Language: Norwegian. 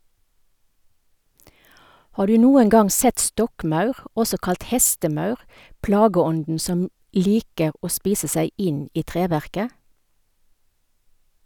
Har du noen gang sett stokkmaur, også kalt hestemaur, plageånden som liker å spise inn i treverket?